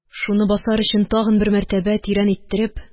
Шуны басар өчен, тагы бер мәртәбә тирән иттереп: